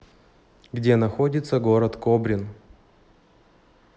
где находится город кобрин